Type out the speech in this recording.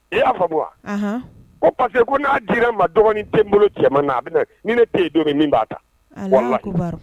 I y'a fa wa ko pa que ko n'a jirara ma dɔgɔnin tɛ bolo cɛ na bɛ ni ne tɛ don min b'a ta